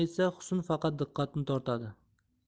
etsa husn faqat diqqatni tortadi